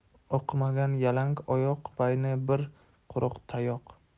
o'qimagan yalang oyoq baayni bir quruq tayoq